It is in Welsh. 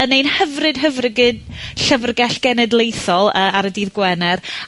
yn ein hyfryd hyfrygyd Llyfrgell Genedlaethol yy ar y dydd Gwener,